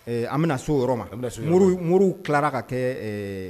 Ee an bi na se o yɔrɔ ma. Moriw kilara ka kɛ